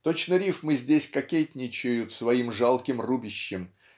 -- точно рифмы здесь кокетничают своим жалким рубищем